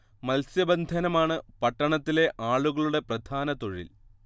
മത്സ്യബന്ധനമാണ് പട്ടണത്തിലെ ആളുകളുടെ പ്രധാന തൊഴിൽ